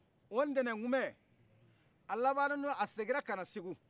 o tɛnɛn kunbɛ a segina ka na segu